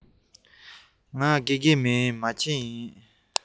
ང དགེ རྒན མིན མ བྱན ཡིན